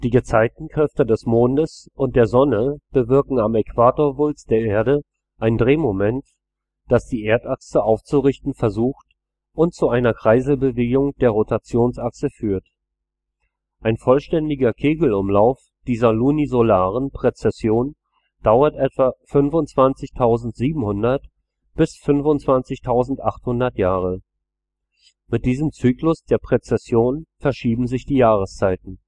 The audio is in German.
Gezeitenkräfte des Mondes und der Sonne bewirken am Äquatorwulst der Erde ein Drehmoment, das die Erdachse aufzurichten versucht und zu einer Kreiselbewegung der Rotationsachse führt. Ein vollständiger Kegelumlauf dieser lunisolaren Präzession dauert etwa 25.700 bis 25.800 Jahre. Mit diesem Zyklus der Präzession verschieben sich die Jahreszeiten